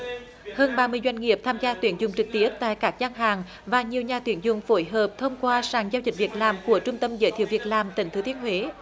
hơn ba mươi doanh nghiệp tham gia tuyển dụng trực tiếp tại các gian hàng và nhiều nhà tuyển dụng phối hợp thông qua sàn giao dịch việc làm của trung tâm giới thiệu việc làm tỉnh thừa thiên huế